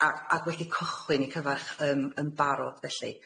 a- ag wedi cychwyn 'u cyfarch yym yn barod felly.